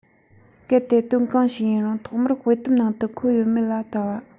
གལ ཏེ དོན གང ཞིག ཡིན རུང ཐོག མར དཔེ དེབ ནང དུ འཁོད ཡོད མེད ལ བལྟ བ